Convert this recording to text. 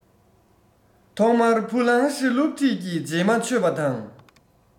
ཐོག མར ཧྥུ ལང ཧྲི སློབ ཁྲིད ཀྱི རྗེས མ ཆོད པ དང